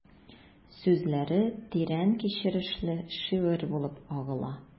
Сүзләре тирән кичерешле шигырь булып агыла...